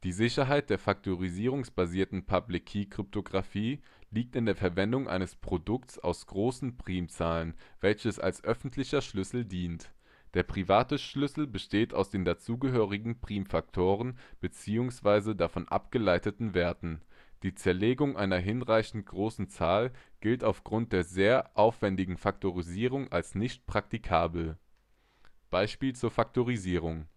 Sicherheit der faktorisierungsbasierten Public-Key-Kryptographie liegt in der Verwendung eines Produkts aus großen Primzahlen, welches als öffentlicher Schlüssel dient. Der private Schlüssel besteht aus den dazugehörenden Primfaktoren bzw. davon abgeleiteten Werten. Die Zerlegung einer hinreichend großen Zahl gilt aufgrund der sehr aufwendigen Faktorisierung als nicht praktikabel. Beispiel zur Faktorisierung